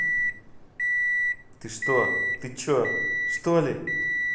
ты что ты че что ли